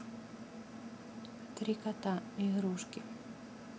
три кота игрушки